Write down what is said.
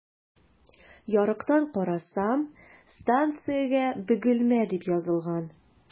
Ярыктан карасам, станциягә “Бөгелмә” дип язылган.